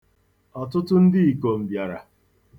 Ọtụtụ ndịikom bịara.